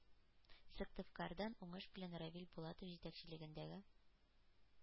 Сыктывкардан – уңыш белән Равил Булатов җитәкчелегендәге